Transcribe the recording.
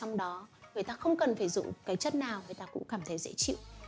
mà trong đó người ta không phải sử dụng cái chất nào người ta cũng cảm thấy dễ chịu